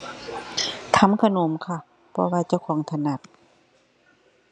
ทำขนมค่ะ เพราะว่าเจ้าของถนัด